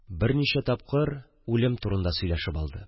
Берничә тапкыр үлем турында сөйләшеп алды